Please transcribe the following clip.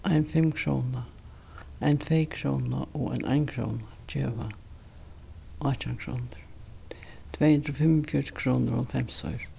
ein fimmkróna ein tveykróna og ein einkróna geva átjan krónur tvey hundrað og fimmogfjøruti krónur og hálvfems oyru